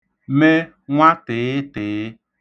me nwatị̀ịtị̀ị